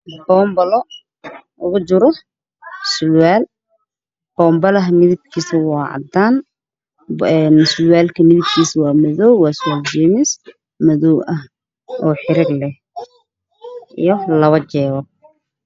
Waa boonbalo waxaa kujiro surwaal. Boonbalaha midabkiisu waa cadaan, surwaalka midabkiisu waa madow waana jeemis, oo xirig ley iyo labo jeeb.